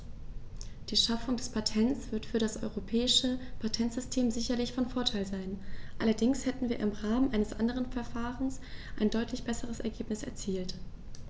Die Schaffung des Patents wird für das europäische Patentsystem sicherlich von Vorteil sein, allerdings hätten wir im Rahmen eines anderen Verfahrens ein deutlich besseres Ergebnis erzielt.